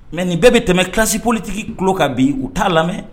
Mɛ nin bɛɛ bɛ tɛmɛ kisi politigi tulo kan bi u t'a lamɛn